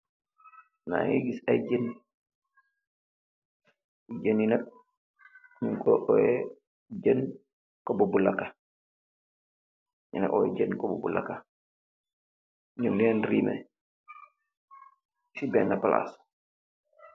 Magee giss aye jeen, jeen ye nak nug ko oyee jeen kubobulaka, nug ko oyee jeen kubobulaka nug len reme se bena plass.